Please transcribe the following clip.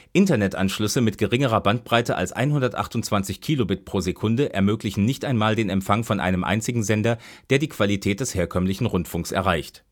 Internetanschlüsse mit geringerer Bandbreite als 128 kb/s ermöglichen nicht einmal den Empfang von einem einzigen Sender, der die Qualität des herkömmlichen Rundfunks erreicht